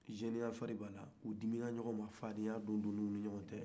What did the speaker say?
zeniya fari b'a la u dimina ɲɔgɔn kɔrɔ fadenya donna u ni ɲɔgɔn cɛ